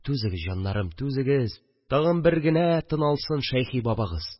Түзегез, җаннарым, түзегез, тагын бер генә тын алсын Шәйхи бабагыз